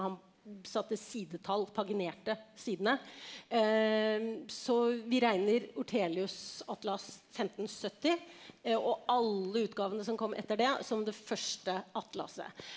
han satte sidetall paginerte sidene, så vi regner Ortelius' atlas 1570 og alle utgavene som kom etter det som det første atlaset.